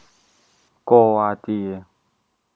โกวาจี